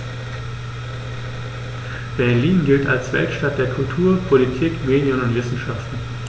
Berlin gilt als Weltstadt der Kultur, Politik, Medien und Wissenschaften.